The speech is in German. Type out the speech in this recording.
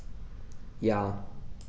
Ja.